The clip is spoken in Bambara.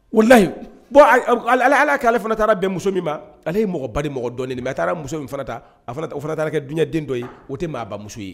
Wulahi bon ay ɔb kɔ Ala Ala y'a kɛ ale fana taara bɛn muso min ma ale ye mɔgɔ ba de mɔgɔ dɔnen mais a taara muso min fana ta a fana t o fana taara kɛ diɲɛ den dɔ ye o te maaba muso ye